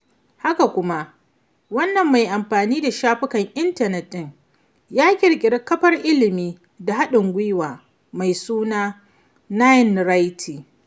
Haka kuma, wannan mai amfani da shafukan intanet ɗin ya ƙirƙiri kafar ilimi da haɗin gwiwa mai suna 9rayti.